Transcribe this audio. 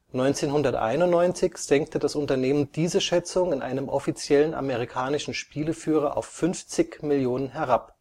1991 senkte das Unternehmen diese Schätzung in einem offiziellen amerikanischen Spieleführer auf 50 Millionen herab